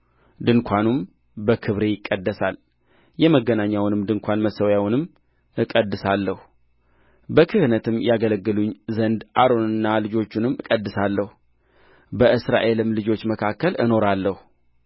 ድንኳኑም በክብሬ ይቀደሳል የመገናኛውንም ድንኳን መሠዊያውንም እቀድሳለሁ በክህነትም ያገለግሉኝ ዘንድ አሮንንና ልጆቹን እቀድሳለሁ በእስራኤልም ልጆች መካከል እኖራለሁ